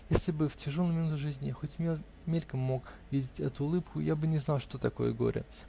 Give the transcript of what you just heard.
Если бы в тяжелые минуты жизни я хоть мельком мог видеть эту улыбку, я бы не знал, что такое горе.